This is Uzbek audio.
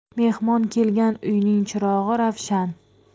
mehmon kelgan uyning chirog'i ravshan